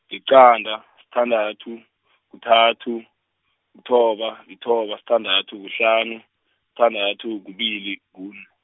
yiqanda, sithandathu, kuthathu, kuthoba, yithoba, sithandathu, kuhlanu, sithandathu kubili kune.